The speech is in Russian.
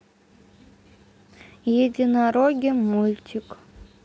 единороги мультик